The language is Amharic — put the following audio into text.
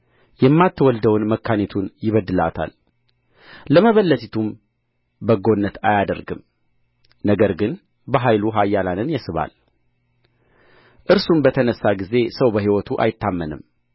የማትወልደውን መካኒቱን ይበድላታል ለመበለቲቱም በጎነት አያደርግም ነገር ግን በኃይሉ ኃያላንን ይስባል እርሱም በተነሣ ጊዜ ሰው በሕይወቱ አይታመንም